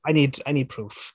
I need I need proof.